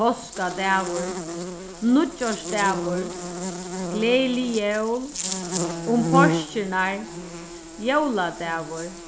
páskadagur nýggjársdagur gleðilig jól um páskirnar jóladagur